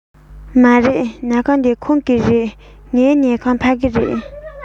མ རེད ཉལ ཁང འདི ཁོང གི རེད ངའི ཉལ ཁང ཕ གི རེད